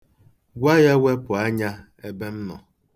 Gwa ya wepụ anya ebe m nọ.